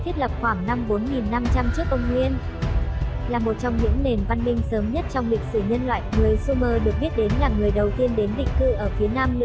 được thiết lập khoảng năm trước công nguyên là một trong những nền văn minh sớm nhất trong lịch sử nhân loại người sumer được biết đến là người đầu tiên đến định cư ở phía nam